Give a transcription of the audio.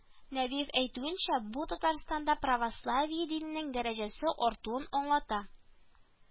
Нәбиев әйтүенчә, бу Татарстанда православие диненең дәрәҗәсе артуын аңлата